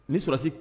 Ni sɔrɔlasi